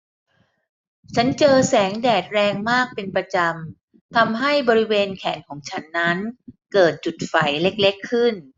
ฉันเจอแสงแดดแรงมากเป็นประจำทำให้บริเวณแขนของฉันนั้นเกิดจุดไฝเล็กเล็กขึ้น